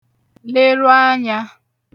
leru anyā